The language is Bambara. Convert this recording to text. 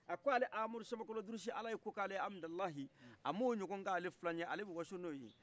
a ko ale amadu samakɔrɔ durusi alaye kok'aleye qmidalaye amo ɲɔgɔn kɛ ale filanye qle bi waso noye